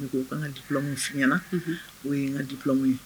Ni ko ko n ka n ka diplôme f'u ɲɛna o ye n ka diplôme ye